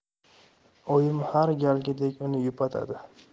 oyim har galgidek uni yupatadi